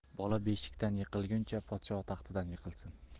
bola beshikdan yiqilguncha podsho taxtidan yiqilsin